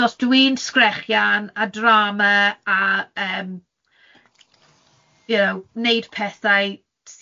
So os dwi'n sgrechian a drama a yym y'know 'neud pethau